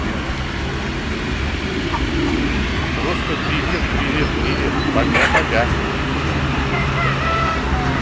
просто привет привет привет пока пока